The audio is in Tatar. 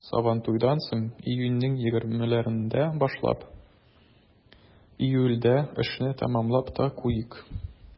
Сабантуйдан соң, июньнең 20-ләрендә башлап, июльдә эшне тәмамлап та куйдык.